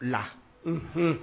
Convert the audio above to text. La h